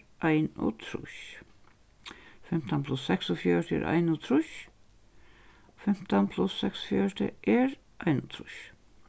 einogtrýss fimtan pluss seksogfjøruti er einogtrýss fimtan pluss seksogfjøruti er einogtrýss